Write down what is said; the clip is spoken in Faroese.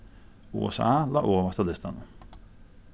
usa lá ovast á listanum